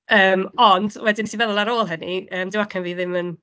Yym, ond, wedyn wnes i feddwl ar ôl hynny, yym, dyw acen fi ddim yn...